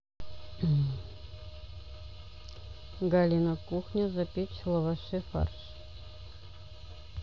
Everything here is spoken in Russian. галина кухня запечь в лаваше фарш